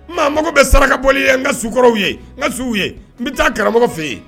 Maa mago bɛ saraka bɔ ye n ka sukɔrɔw ye n ka suw ye n bɛ taa karamɔgɔ fɛ yen